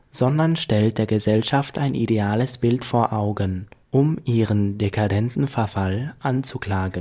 sondern stellt der Gesellschaft ein ideales Bild vor Augen, um ihren (dekadenten) Verfall anzuklagen